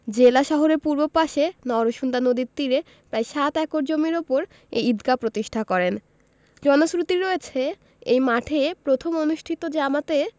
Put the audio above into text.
জেলা শহরের পূর্ব পাশে নরসুন্দা নদীর তীরে প্রায় সাত একর জমির ওপর এই ঈদগাহ প্রতিষ্ঠা করেন জনশ্রুতি রয়েছে এই মাঠে প্রথম অনুষ্ঠিত জামাতে